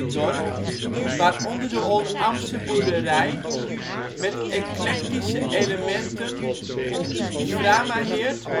dorp, waaronder de Oldambtster boerderij met eclectische elementen Framaheerd